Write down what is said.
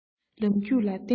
ལམ རྒྱུད ལ བརྟེན པར བྱ